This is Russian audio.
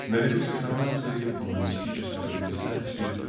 Наряду с реформацией в гуманистическом ренессансе